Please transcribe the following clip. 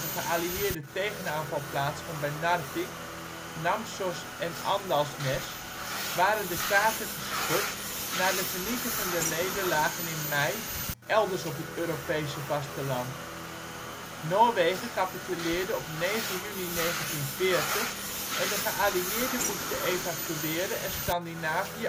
geallieerde tegenaanval plaatsvond bij Narvik, Namsos en Åndalsnes waren de kaarten geschud na de vernietigende nederlagen in mei, elders op het Europese vasteland. Noorwegen capituleerde op 9 juni 1940 en de geallieerden moesten evacueren en Scandinavië